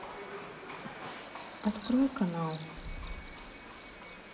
открой канал